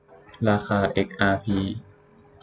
ราคาเอ็กอาร์พี